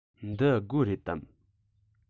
འདི སྒོ རེད དམ